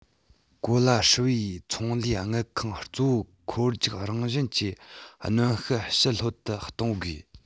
གོ ལ ཧྲིལ པོའི ཚོང ལས དངུལ ཁང གཙོ བོ འཁོར རྒྱུག རང བཞིན གྱི གནོན ཤུགས ཞི ལྷོད དུ གཏོང དགོས